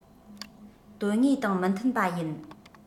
དོན དངོས དང མི མཐུན པ ཡིན